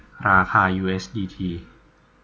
ราคายูเอสดีที